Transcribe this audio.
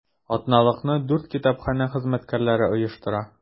Атналыкны дүрт китапханә хезмәткәрләре оештыра.